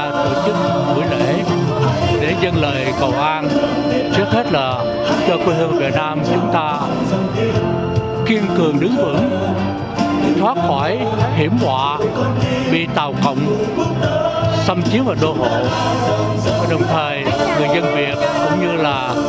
tổ chức lễ để dâng lời cầu an trước hết là cho quê hương việt nam chúng ta kiên cường đứng vững thoát khỏi hiểm họa bị tàu cộng xâm chiếm và đô hộ và đồng thời người dân việt cũng như là